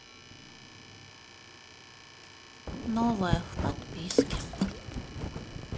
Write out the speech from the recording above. новое в подписке